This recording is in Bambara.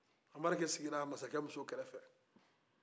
anbarike sigira masakɛmuso kɛrɛfɛ